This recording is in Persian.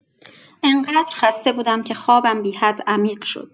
انقدر خسته بودم که خوابم بی‌حد عمیق شد.